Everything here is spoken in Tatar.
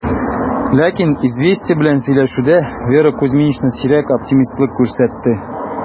Ләкин "Известия" белән сөйләшүдә Вера Кузьминична сирәк оптимистлык күрсәтте: